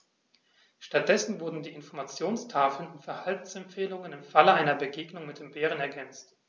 Stattdessen wurden die Informationstafeln um Verhaltensempfehlungen im Falle einer Begegnung mit dem Bären ergänzt.